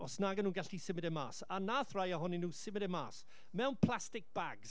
os nag o'n nhw'n gallu symud e mas. A wnaeth rai ohonyn nhw symud e mas mewn plastig bags.